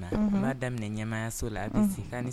B'a daminɛ ɲɛmaaya so la a bɛ